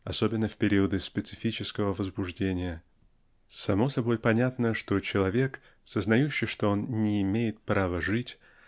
особенно в периоды специфического возбуждения. Само собою понятно что человек сознающий что он "не имеет права жить"